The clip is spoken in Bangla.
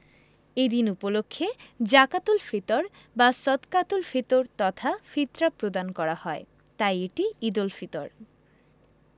এই দিন উপলক্ষে জাকাতুল ফিতর বা সদকাতুল ফিতর তথা ফিতরা প্রদান করা হয় তাই এটি ঈদুল ফিতর